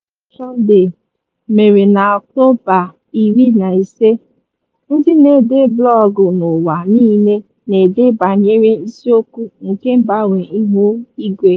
N'afọ a Blog Action Day mere na Ọktoba 15, ndị na-ede blọọgụ n'ụwa nile na-ede banyere isiokwu nke mgbanwe ihu igwe.